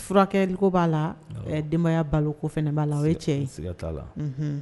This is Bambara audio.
Furakɛliko b'a la, ɛ denbaya baloliko fana b'a la, o ye tiɲɛ ye. Siga t'a la.